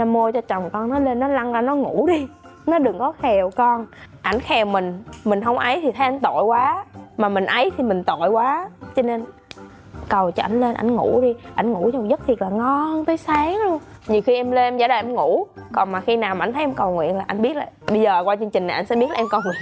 mua cho chồng con nó lên nó lăn ra ngủ đi nó đừng có khèo con ảnh thèm mình mình không ấy thì than tội quá mà mình ấy thì mình tội quá nên cầu cho ảnh lên ảnh ngủ đi anh ngủ dùm giấc thiệt là ngon tới sáng lun nhiều khi em lên giả đòn em ngủ còn mà khi nào anh thấy em cầu nguyện là anh biết bây giờ qua chương trình này sẽ biết em coi